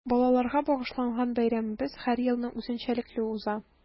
Балаларга багышланган бәйрәмебез һәр елны үзенчәлекле уза.